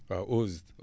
waaw Eaux